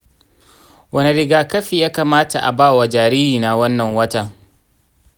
wane rigakafi ya kamata a ba wa jaririna wannan watan?